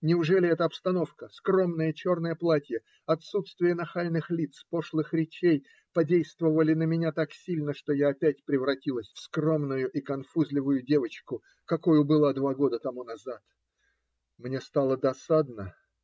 Неужели эта обстановка, скромное, черное платье, отсутствие нахальных лиц, пошлых речей подействовали на меня так сильно, что я опять превратилась в скромную и конфузливую девочку, какой была два года тому назад? Мне стало досадно.